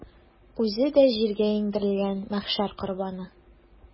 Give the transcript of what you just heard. Үзе дә җиргә иңдерелгән мәхшәр корбаны.